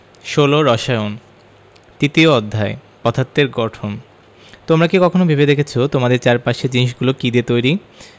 ১৬ রসায়ন তৃতীয় অধ্যায় পদার্থের গঠন তোমরা কি কখনো ভেবে দেখেছ আমাদের চারপাশের জিনিসগুলো কী দিয়ে তৈরি